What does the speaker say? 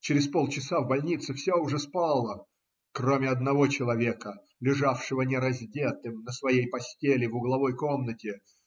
Через полчаса в больнице все уже спало, кроме одного человека, лежавшего нераздетым на своей постели в угловой комнате.